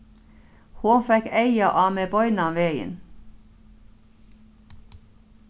hon fekk eyga á meg beinanvegin